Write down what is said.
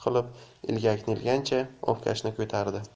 shuruq qilib ilgakni ilgancha obkashni ko'tardi